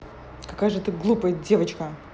какая же ты глупая девочка